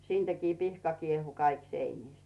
siitäkin pihka kiehui kaikki seinistä